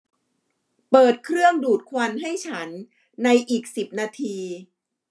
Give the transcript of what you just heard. เปิดเครื่องดูดควันให้ฉันในอีกสิบนาที